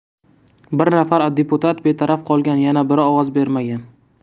bir nafar deputat betaraf qolgan yana biri ovoz bermagan